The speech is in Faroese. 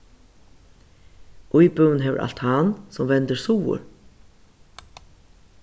íbúðin hevur altan sum vendir suður